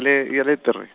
le ye retere-.